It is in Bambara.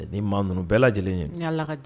Ni maa ninnu bɛɛ lajɛlen ye , ni allah ka jɛn ye!